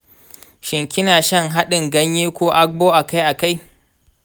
shin kina shan hadin ganye ko agbo akai-akai?